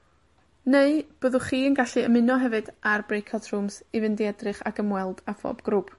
Neu byddwch chi yn gallu ymuno hefyd â'r Brakeout Rooms, i fynd i edrych ac ymweld â phob grŵp.